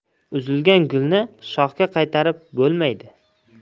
uzilgan gulni shoxga qaytarib bo'lmaydi